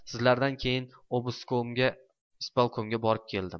sizlardan keyin ispolkomga borib keldim